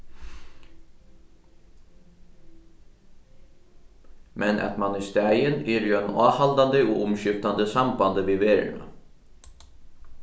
men at mann í staðin er í einum áhaldandi og umskiftandi sambandi við verðina